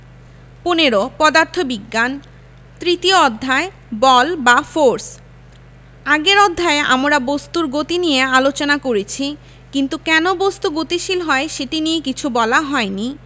১৫ পদার্থবিদ্যা তৃতীয় অধ্যায় বল বা ফোরস আগের অধ্যায়ে আমরা বস্তুর গতি নিয়ে আলোচনা করেছি কিন্তু কেন বস্তু গতিশীল হয় সেটি নিয়ে কিছু বলা হয়নি